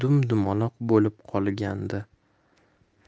dum dumaloq bo'lib qolgandi